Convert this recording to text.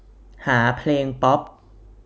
หาเพลงป๊อป